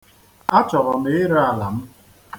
Achọrọ m ire ala m.